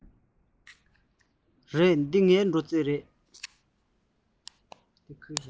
རེད འདི ངའི སྒྲོག རྩེ རེད